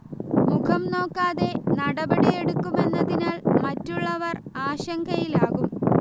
മുഖം നോക്കാതെ നടപടി എടുക്കുമെന്നതിനാൽ മറ്റുള്ളവർ ആശങ്കയിൽ ആകും